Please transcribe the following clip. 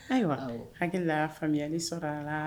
Ayiwa o hakili laa faamuyali sɔrɔla